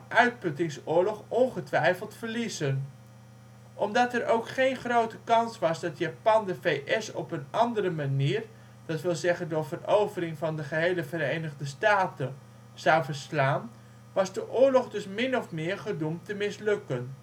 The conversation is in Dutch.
uitputtingsoorlog ongetwijfeld verliezen. Omdat er ook geen grote kans was dat Japan de VS op een andere manier, d.w.z. door verovering van de gehele Verenigde Staten, zou verslaan, was de oorlog dus min of meer gedoemd te mislukken